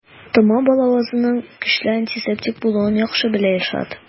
Тома балавызның көчле антисептик булуын яхшы белә Илшат.